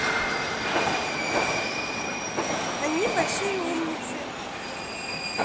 они большие умницы